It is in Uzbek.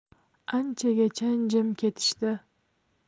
anchagacha jim ketishdi